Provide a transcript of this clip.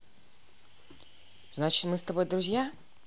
значит мы с тобой не друзья